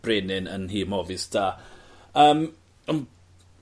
brenin yn nhîm Movistar. Yym ym...